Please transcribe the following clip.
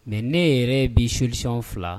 Mais ne yɛrɛ bi solution fila